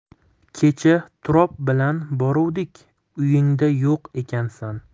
kecha turob bilan boruvdik uyingda yo'q ekansan